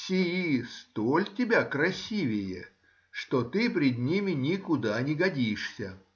Сии столь тебя красивее, что ты пред ними никуда не годишься.